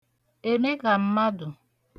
èmekàmmadụ̀